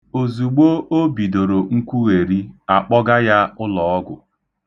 Ozugbo o bidoro nkwugheri, a kpọga ya ụlọọgwụ.